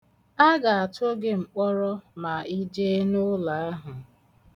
Aga-atụ gị mkpọrọ ma ị jee n'ụlọ ahu.